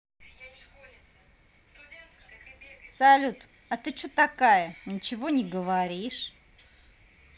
салют а что ты такая ничего не говоришь